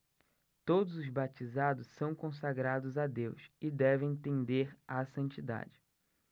todos os batizados são consagrados a deus e devem tender à santidade